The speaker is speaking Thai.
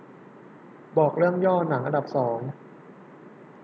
ขอดูตัวอย่างหนังอันดับสอง